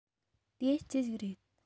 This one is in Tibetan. དེ ཅི ཞིག རེད